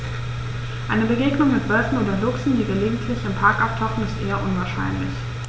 Eine Begegnung mit Wölfen oder Luchsen, die gelegentlich im Park auftauchen, ist eher unwahrscheinlich.